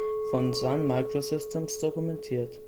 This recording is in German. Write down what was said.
von Sun Microsystems dokumentiert